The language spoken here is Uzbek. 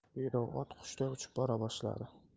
bedov ot qushday uchib bora boshladi